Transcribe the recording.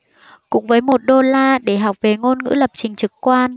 cũng với một đô la để học về ngôn ngữ lập trình trực quan